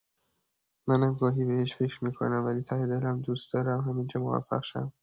منم گاهی بهش فکر می‌کنم، ولی ته دلم دوست دارم همین‌جا موفق شم.